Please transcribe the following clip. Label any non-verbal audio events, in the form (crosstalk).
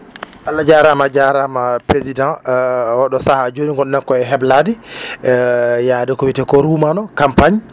Allah jarama a jarama président (hesitation) oɗo saaha joni gonɗen koye heblade (hesitation) yaade ko witeko rumano campagne